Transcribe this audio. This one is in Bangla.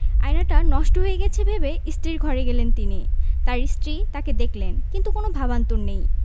আয়নাটা নষ্ট হয়ে গেছে ভেবে স্ত্রীর ঘরে গেলেন তিনি তাঁর স্ত্রী তাঁকে দেখলেন কিন্তু কোনো ভাবান্তর নেই